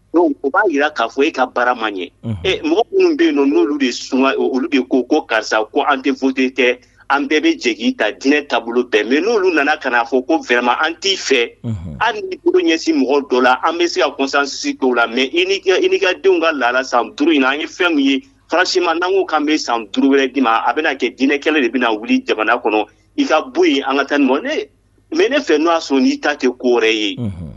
Don u b'a jira k'a fɔ e ka baara man ɲɛ ɛ mɔgɔ minnu bɛ yen n'olu de sunugan o olu de ko ko karisa ko an tɛ fute tɛ an bɛɛ bɛ jɛ ta dinɛ taabolo bɛn mɛ n'olu nana kaa fɔ ko vma an t fɛ an ni ɲɛsin mɔgɔ dɔ la an bɛ se ka kɔsansi t la mɛ i i ka denw ka la sanuru in an ye fɛnw ye farasima'ko kan bɛ sanuru wɛrɛ d ma a bɛna kɛ dinɛkɛnɛ de bɛna wuli jamana kɔnɔ i ka bɔ ye an ka taa mɔn dɛ mɛ ne fɛ n''a sɔn n'i ta kɛ koɛ ye